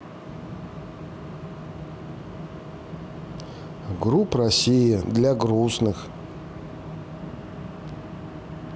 group россия для грустных